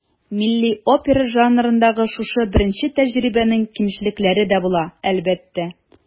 Милли опера жанрындагы шушы беренче тәҗрибәнең кимчелекләре дә була, әлбәттә.